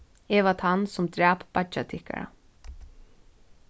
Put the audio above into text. eg var tann sum drap beiggja tykkara